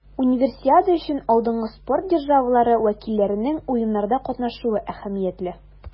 Универсиада өчен алдынгы спорт державалары вәкилләренең Уеннарда катнашуы әһәмиятле.